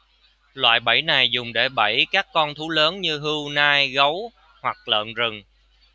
loại bẫy này dùng để bẫy các con thú lớn như hươu nai gấu hoặc lợn rừng